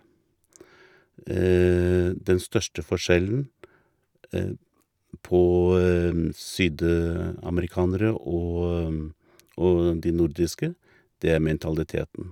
Den største forskjellen på sydamerikanere og og de nordiske, det er mentaliteten.